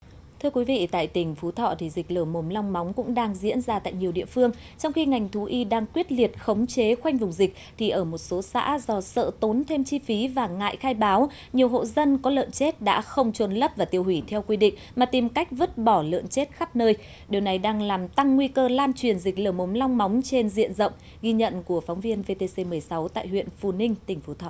thưa quý vị tại tỉnh phú thọ thì dịch lở mồm long móng cũng đang diễn ra tại nhiều địa phương trong khi ngành thú y đang quyết liệt khống chế khoanh vùng dịch thì ở một số xã do sợ tốn thêm chi phí và ngại khai báo nhiều hộ dân có lợn chết đã không chôn lấp và tiêu hủy theo quy định mà tìm cách vứt bỏ lợn chết khắp nơi điều này đang làm tăng nguy cơ lan truyền dịch lở mồm long móng trên diện rộng ghi nhận của phóng viên vê tê xê mười sáu tại huyện phù ninh tỉnh phú thọ